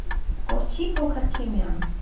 Կորչի՜ փոքր քիմիան։